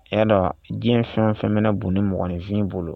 E dɔn diɲɛ fɛn fɛn bɛ bon ni mɔgɔninfin bolo